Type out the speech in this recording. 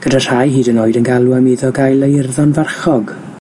gyda rhai hyd yn oed yn galw am iddo gael ei urddon farchog!